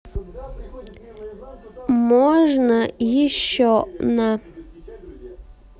можно еще на